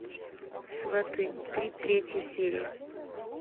сваты три третья серия